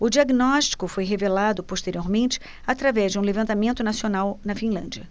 o diagnóstico foi revelado posteriormente através de um levantamento nacional na finlândia